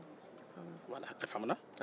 walaa a faamuna